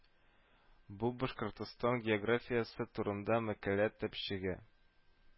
Бу Башкортстан географиясе турында мәкалә төпчеге